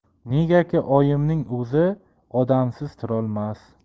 negaki oyimning o'zi odamsiz turolmas